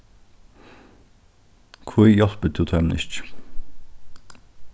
hví hjálpir tú teimum ikki